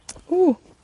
W!